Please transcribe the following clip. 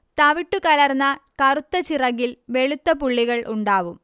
തവിട്ടുകലർന്ന കറുത്ത ചിറകിൽ വെളുത്ത പുള്ളികൾ ഉണ്ടാവും